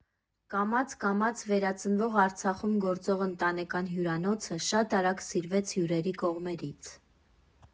Կամաց֊կամաց վերածնվող Արցախում գործող ընտանեկան հյուրանոցը շատ արագ սիրվեց հյուրերի կողմից։